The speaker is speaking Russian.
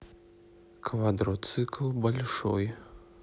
квадроцикл большой